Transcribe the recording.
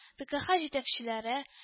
ТэКэХа җитәкчеләре